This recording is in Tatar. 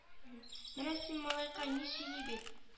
Менә син малайкай ни сөйли бит